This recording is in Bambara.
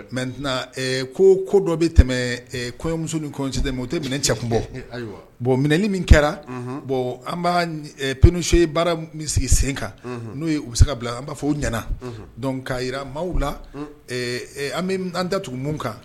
Mɛt tɛna ko ko dɔ bɛ tɛmɛ komusosite o tɛ minɛ cɛkun bɔ bon minɛli min kɛra bɔn an b' peso baara bɛ sigi sen kan n'o u bɛ se ka bila an b'a fɔ o ɲɛnaana dɔn k'a jirara maaw la an bɛ an da tugu min kan